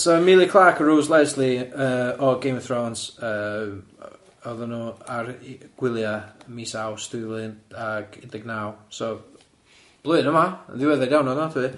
So Amelia Clarke a Rose Lesley yy o Game of Thrones yy oedden nhw ar i- gwylia mis Awst dwy fil ag un deg naw so, blwyddyn yma, yn ddiwedded iawn ofnadwy.